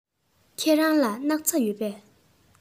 ཁྱེད རང ལ སྣག ཚ ཡོད པས